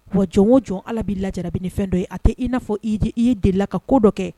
Wa jɔn o jɔn ala b'i lajara bɛ ni fɛn dɔ ye a tɛ i n'a fɔ i ye deli ka ko dɔ kɛ